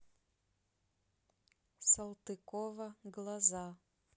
салтыкова глаза